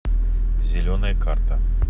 зеленая карта